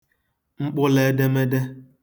mkpụlụ edemede